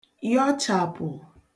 yọchàpụ